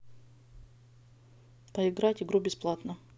поиграть игру бесплатно